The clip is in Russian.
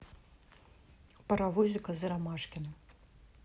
паровозик из ромашкино